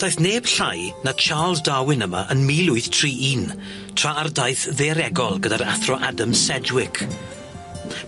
Daeth neb llai na Charles Darwin yma yn mil wyth tri un tra ar daith ddaearegol gyda'r Athro Adam Sedgwick.